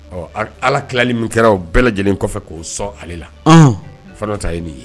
Ɔ ala tilali min kɛra bɛɛ lajɛlen kɔfɛ k'o sɔn ale la fana ta ye nin ye